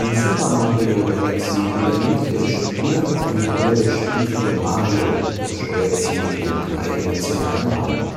Super Mario Galaxy übernimmt der Spieler die Rolle der Spielfigur Mario und steuert sie im dreidimensionalen Raum